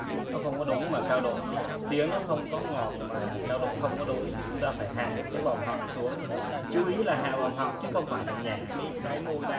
khi mà cao độ không đúng thì chúng ta phải ha a vòm họng xuống chú ý là hạ vòm họng chứ không phải là nhả môi ra